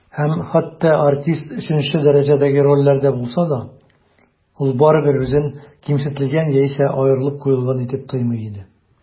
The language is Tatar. Һәм хәтта артист өченче дәрәҗәдәге рольләрдә булса да, ул барыбыр үзен кимсетелгән яисә аерылып куелган итеп тоймый иде.